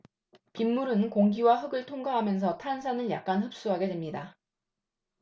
빗물은 공기와 흙을 통과하면서 탄산을 약간 흡수하게 됩니다